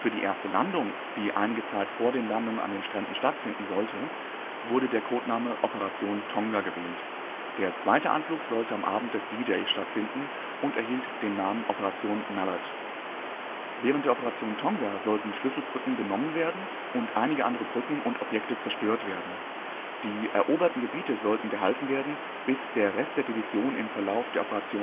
die erste Landung, die einige Zeit vor den Landungen an den Stränden stattfinden sollte, wurde der Codename Operation Tonga gewählt. Der zweite Anflug sollte am Abend des D-Day stattfinden und erhielt den Namen Operation Mallard. Während der Operation Tonga sollten Schlüsselbrücken genommen werden und einige andere Brücken und Objekte zerstört werden. Die eroberten Gebiete sollten gehalten werden, bis der Rest der Division im Verlauf der